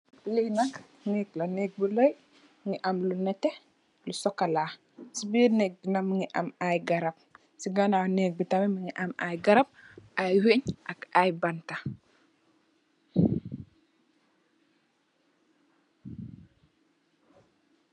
Li nak nek la , nek bu reye , mu am lu netteh, lu sokola , si birr nek bi nak ,mungi am ay garab , si ganaw nek bi tamit ,mungi am ay garab ,ay wenge ak ,ay banta.